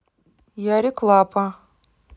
ярик лапа